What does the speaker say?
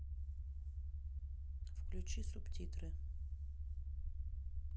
включи субтитры